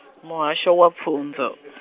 muhasho wa pfunzo.